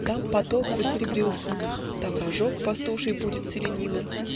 Там поток Засеребрился; там рожок Пастуший будит селянина.